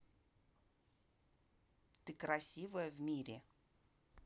ты красивая в мире